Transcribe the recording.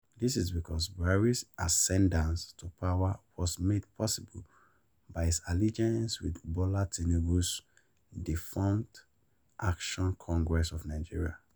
This is because Buhari’s ascendance to power was made possible by his allegiance with Bola Tinubu’s defunct Action Congress of Nigeria (ACN).